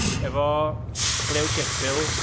efo blew ceffyl.